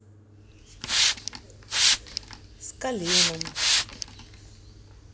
с коленом